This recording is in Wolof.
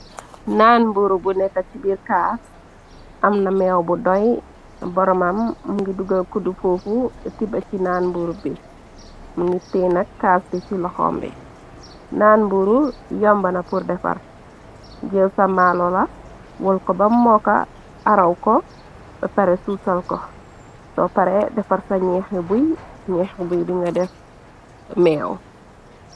Naan mbuuru bu nekka ci biir caas am na meew bu doy boromam mungi dugal kuddu foofu etiba ci naan buur bi mu ni tenak caas bi ci loxombi naan mbuuru yombana pur defar jëw sa maalo la wal ko ba mooka araw ko ba pare suu-sal ko soo pare defar sa ñeexe buy ñeexe buy bi nga def meew.